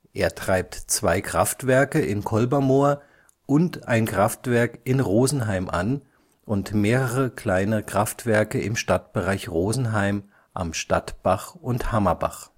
Er treibt zwei Kraftwerke in Kolbermoor und ein Kraftwerk in Rosenheim an und mehrere kleinere Kraftwerke im Stadtbereich Rosenheim am Stadtbach und Hammerbach